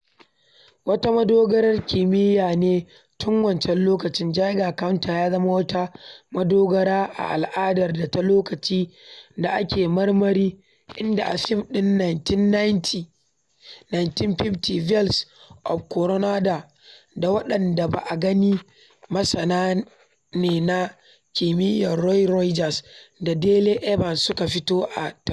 Wata madogarar kimiyya ne tun wancan lokacin, Geiger Counter ta zama wata madogara a al’adar ta lokaci da ake marmari, inda a fim din 1950 "Bells of Coronado," da waɗanda ba a gani masana ne na kimiyya Roy Rogers da Dale Evans suka fito a taurari: